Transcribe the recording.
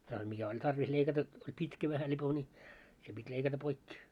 ja mikä oli tarvis leikata oli pitkä vähän lipoi niin se piti leikata poikki